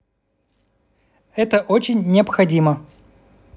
это очень необходимо